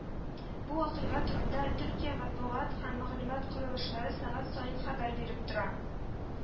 Бу вакыйга турында Төркия матбугат һәм мәгълүмат корылышлары сәгать саен хәбәр биреп тора